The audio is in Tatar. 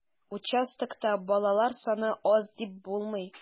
Участокта балалар саны аз дип булмый.